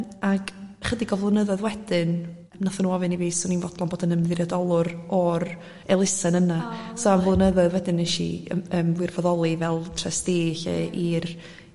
ag chydig o flynyddodd wedyn nathon nw ofyn i fi 'swn i'n fodlon bod yn ymdirodolwr o'r elusen yna so am flynyddoedd wedyn neshi yym yym wirfyddoli fel trustee 'llu yy i'r